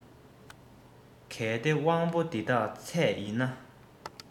གལ ཏེ དབང པོ འདི དག ཚད ཡིན ན